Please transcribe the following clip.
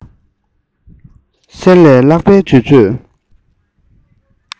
གསེར ལས ལྷག པའི དུས ཚོད